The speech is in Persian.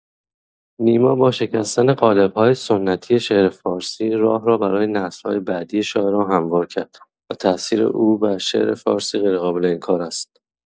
نیما با شکستن قالب‌های سنتی شعر فارسی، راه را برای نسل‌های بعدی شاعران هموار کرد و تأثیر او بر شعر فارسی غیرقابل انکار است.